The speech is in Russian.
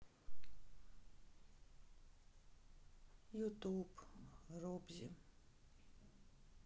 ютуб робзи